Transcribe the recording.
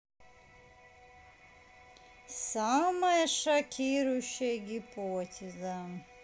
самая шокирующая гипотеза